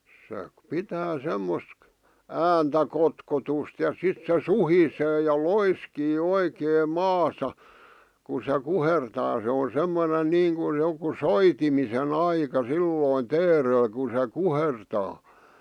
se pitää semmoista ääntä kotkotusta ja sitten se suhisee ja loiskii oikein maassa kun se kuhertaa se on semmoinen niin kuin joku soitimisen aika silloin teerellä kun se kuhertaa